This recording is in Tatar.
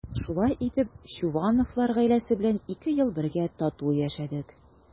Шулай итеп Чувановлар гаиләсе белән ике ел бергә тату яшәдек.